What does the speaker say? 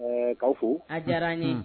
K'aw fo a diyara n ye